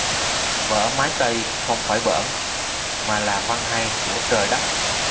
vở mái tây không phải bỡn mà là văn hay của trời đất